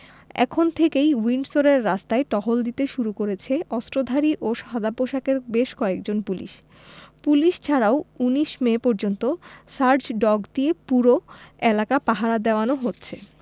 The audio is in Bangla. এখন থেকেই উইন্ডসরের রাস্তায় টহল দিতে শুরু করেছে অস্ত্রধারী ও সাদাপোশাকের বেশ কয়েকজন পুলিশ পুলিশ ছাড়াও ১৯ মে পর্যন্ত সার্চ ডগ দিয়ে পুরো এলাকা পাহারা দেওয়ানো হচ্ছে